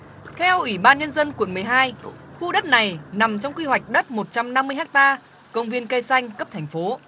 theo ủy ban nhân dân quận mười hai khu đất này nằm trong quy hoạch đất một trăm năm mươi héc ta công viên cây xanh cấp thành phố